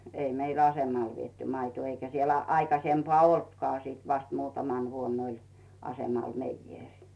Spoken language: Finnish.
ei meillä asemalle viety maitoa eikä siellä aikaisempaa ollutkaan sitten vasta muutamana vuonna oli asemalla meijeri